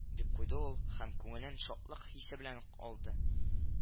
—дип куйды ул һәм күңелен шатлык хисе белән алды